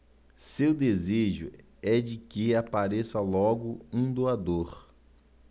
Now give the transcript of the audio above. seu desejo é de que apareça logo um doador